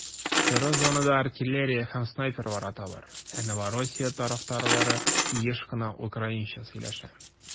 Соры зонада артиллерия һәм снайперлар аталар, ә Новороссия тарафтарлары еш кына украинча сөйләшә.